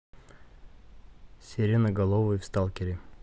сиреноголовый в сталкере